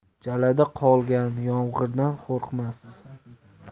jalada qolgan yomg'irdan qo'rqmas